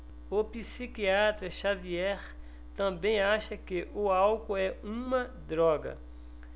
o psiquiatra dartiu xavier também acha que o álcool é uma droga